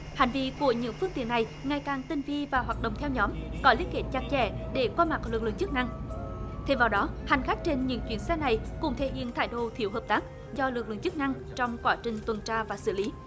hành vi của nhiều phương tiện này ngày càng tinh vi và hoạt động theo nhóm có liên kết chặt chẽ để qua mặt lực lượng chức năng thêm vào đó hành khách trên những chuyến xe này cũng thể hiện thái độ thiếu hợp tác do lực lượng chức năng trong quá trình tuần tra và xử lý